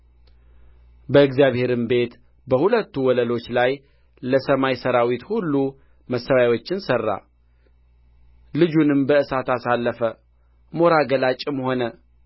በእግዚአብሔር ቤት መሠዊያዎችን ሠራ በእግዚአብሔርም ቤት በሁለቱ ወለሎች ላይ ለሰማይ ሠራዊት ሁሉ መሠዊያዎችን ሠራ ልጁንም በእሳት አሳለፈ ሞራ ገላጭም ሆነ